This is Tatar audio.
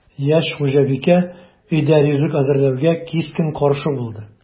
Яшь хуҗабикә өйдә ризык әзерләүгә кискен каршы булды: